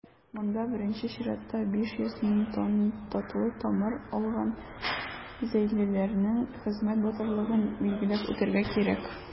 Монда, беренче чиратта, 500 мең тонна татлы тамыр алган зәйлеләрнең хезмәт батырлыгын билгеләп үтәргә кирәк.